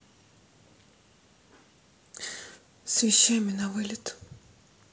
с вещами на вылет